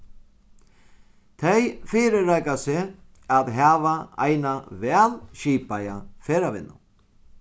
tey fyrireika seg at hava eina væl skipaða ferðavinnu